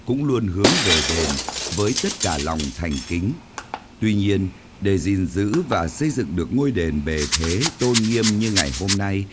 cũng luôn hướng về đền với tất cả lòng thành kính tuy nhiên để gìn giữ và xây dựng được ngôi đền bề thế tôn nghiêm như ngày hôm nay